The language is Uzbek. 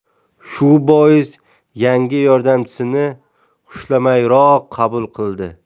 shu bois yangi yordamchisini xushlamayroq qabul qildi